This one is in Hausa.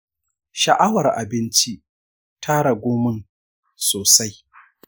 sha'awar abinci ta ragu mun sosai.